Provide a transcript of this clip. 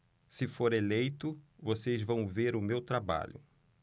se for eleito vocês vão ver o meu trabalho